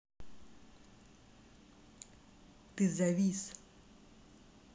ты завис